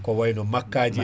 ko wayno makkaji en